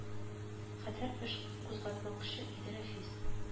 Хәтәр эш кузгатмакчы иде рәфис